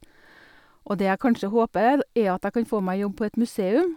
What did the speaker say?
Og det jeg kanskje håper er at jeg kan få meg jobb på et museum.